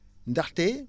ndaxte